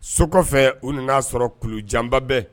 So kɔfɛɛ u nana sɔrɔ kulujanba bɛ